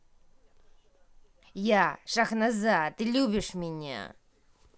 я шахноза ты любишь меня